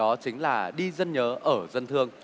đó chính là đi dân nhớ ở dân thương